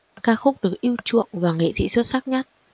ca khúc được ưu chuộng và nghệ sĩ xuất sắc nhất